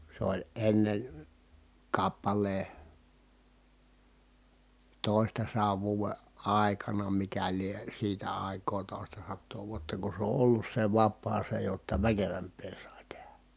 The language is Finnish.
se oli ennen kappaleen toistasadan vuoden aikana mikä lie siitä aikaa toistasataa vuotta kun se on ollut se vapaa se jotta väkevämpää sai tehdä